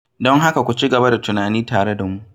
Don haka ku cigaba da tunani tare da mu!